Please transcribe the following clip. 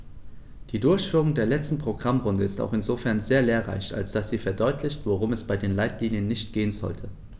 Die Durchführung der letzten Programmrunde ist auch insofern sehr lehrreich, als dass sie verdeutlicht, worum es bei den Leitlinien nicht gehen sollte.